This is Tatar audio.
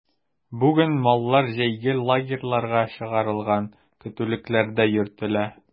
Бүген маллар җәйге лагерьларга чыгарылган, көтүлекләрдә йөртелә.